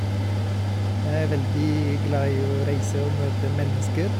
Jeg er veldig glad i å reise og møte mennesker.